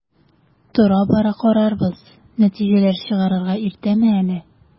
Тора-бара карарбыз, нәтиҗәләр чыгарырга иртәме әле?